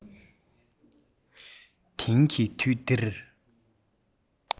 དེང གི དུས འདིར